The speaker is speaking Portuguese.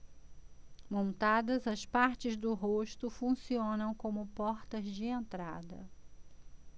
montadas as partes do rosto funcionam como portas de entrada